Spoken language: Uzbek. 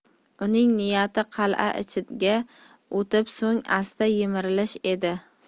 uning niyati qal'a ichiga o'tib so'ng asta yemirish edi